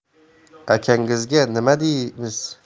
akangizga nima deymiz